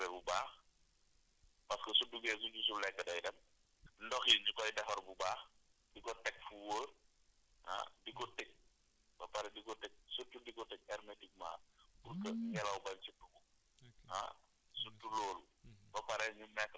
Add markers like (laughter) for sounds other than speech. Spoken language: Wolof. (hesitation) ba tax na nag (hesitation) lekk yi ñu koy concervé bu baax parce que su duggee su gisul lekk day dem ndox yi ñu koy defar bu baax di ko teg fu wóor ah di ko tëj ba pare di ko tëj surtout di ko tëj hermétiquement (noise) pour que ngelaw bañ si dugg